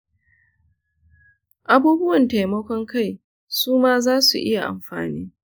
abubuwan taimakon kai su ma za su iya amfani.